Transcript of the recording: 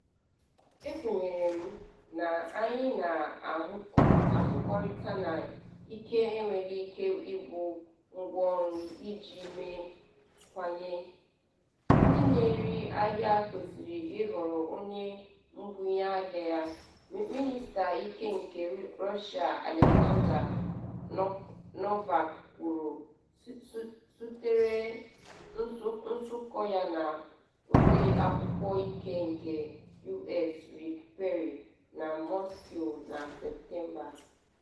“Ekwenyere m na anyị na-ahụkọrịta na ike enweghị ike ịbụ ngwaọrụ eji eme nkwanye, ndị na-eri ahịa kwesịrị ịhọrọ onye mbunye ahịa ya,” Mịnịsta Ike nke Russia Aleksandr Novak kwuru, sotere nnọkọ ya na Ọde Akwụkwọ Ike nke US Rick Perry na Moscow na Septemba.